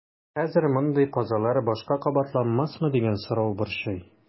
Хәзер мондый казалар башка кабатланмасмы дигән сорау борчый.